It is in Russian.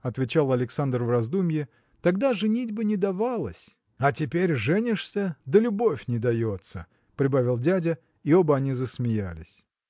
– отвечал Александр в раздумье, – тогда женитьба не давалась. – А теперь женишься да любовь не дается – прибавил дядя и оба они засмеялись.